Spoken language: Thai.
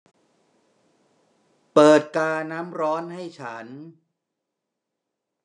เปิดกาน้ำร้อนให้ฉัน